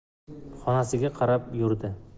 xonasiga qarab yurdi